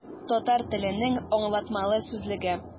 Татар теленең аңлатмалы сүзлеге.